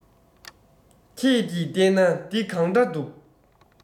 ཁྱེད ཀྱི ལྟས ན འདི གང འདྲ འདུག